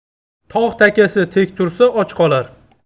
tog' takasi tek tursa och qolar